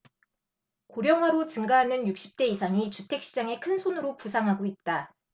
고령화로 증가하는 육십 대 이상이 주택 시장의 큰손으로 부상하고 있다